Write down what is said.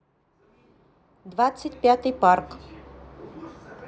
двадцать пятый парк